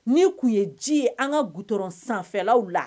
Ni tun ye ji ye an ka gt sanfɛlaw la